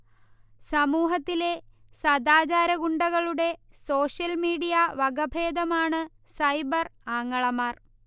സമൂഹത്തിലെ സദാചാരഗുണ്ടകളുടെ social media വകഭേദമാണു സൈബർ ആങ്ങളമാർ